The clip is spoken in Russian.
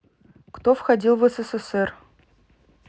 кто входил в ссср